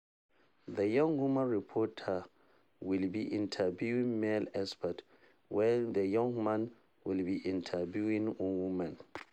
The young woman reporter will be interviewing male experts, while the young man will be interviewing women.